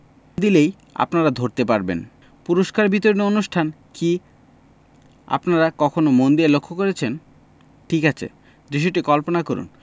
দিলেই আপনারা ধরতে পারবেন পুরস্কার বিতরণী অনুষ্ঠান কি আপনারা কখনো মন দিয়ে লক্ষ্য করেছেন ঠিক আছে দৃশ্যটি কল্পনা করুন